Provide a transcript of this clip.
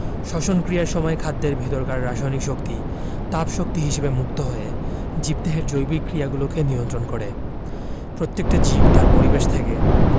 শ্বসন ক্রিয়ার সময় খাদ্যের ভেতরকার রাসায়নিক শক্তি তাপ শক্তি হিসেবে মুক্ত হয়ে জীবদেহের জৈবিক ক্রিয়াগুলোকে নিয়ন্ত্রন করে প্রত্যেকটা জীব তার পরিবেশ থেকে